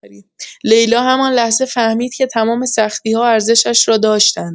لیلا همان لحظه فهمید که تمام سختی‌ها ارزشش را داشتند.